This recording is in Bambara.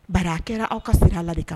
Ba a kɛra aw ka sira la de kama